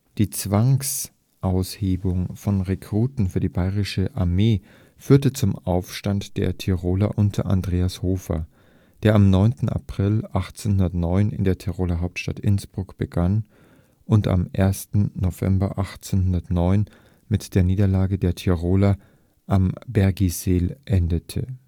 Die Zwangsaushebung von Rekruten für die Bayerische Armee führte zum Aufstand der Tiroler unter Andreas Hofer, der am 9. April 1809 in der Tiroler Hauptstadt Innsbruck begann und am 1. November 1809 mit der Niederlage der Tiroler am Bergisel endete